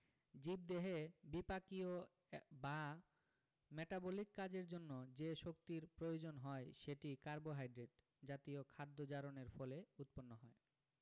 জীবদেহে বিপাকীয় বা মেটাবলিক কাজের জন্য যে শক্তির প্রয়োজন হয় সেটি কার্বোহাইড্রেট জাতীয় খাদ্য জারণের ফলে উৎপন্ন হয়